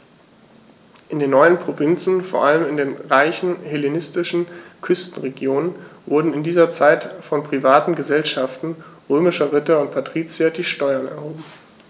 In den neuen Provinzen, vor allem in den reichen hellenistischen Küstenregionen, wurden in dieser Zeit von privaten „Gesellschaften“ römischer Ritter und Patrizier die Steuern erhoben.